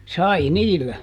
sai niillä